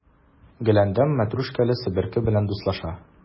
Гөләндәм мәтрүшкәле себерке белән дуслаша.